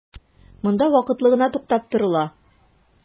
Монда вакытлы гына туктап торыла.